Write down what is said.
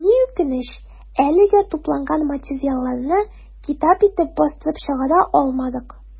Ни үкенеч, әлегә тупланган материалларны китап итеп бастырып чыгара алмадык.